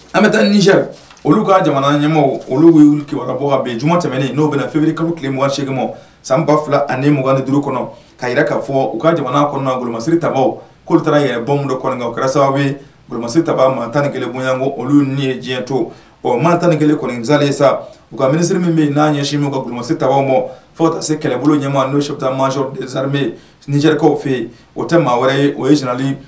An bɛ taa ni sɛ olu ka jamana ɲɛ olu' wili kibawabɔ bi j tɛmɛn n'o bɛ fiiri kalo tileuganseegin ma sanba fila ani ni mugan ni duuru kɔnɔ ka yɛrɛ k'a fɔ u ka jamana kɔnɔ boloolomasi ta kota yen bɔdo kɔnɔ o kɛra sababu ye boloololamasi ta maa tan ni kelenbonyan ko olu ni ye diɲɛ to maa tan ni kelen kɔnizali sa u ka minisiri min bɛ n'a ɲɛsin min kaololasi ta ma fɔ se kɛlɛbolo ɲɛma n'u se taa maasɔrɔrimedirikaw fɛ yen o tɛ maa wɛrɛ ye o ye zli